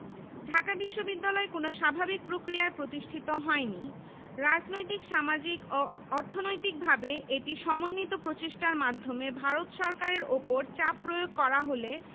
পক্ষান্তরে মুসলিম সম্প্রদায় রাজনৈতিক অর্থনৈতিক ও সাংস্কৃতিক ক্ষেত্রে পেছনে পড়ে থাকে এ মনোভাব সম্পর্কে অন্তত চারটি কমিশন মন্তব্য করে যার মধ্যে ছিল